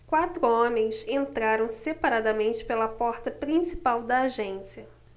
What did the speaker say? quatro homens entraram separadamente pela porta principal da agência